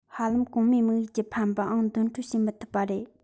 ཧ ལམ གོང སྨྲས དམིགས ཡུལ གྱི ཕན པའང འདོན སྤྲོད བྱེད མི ཐུབ པ རེད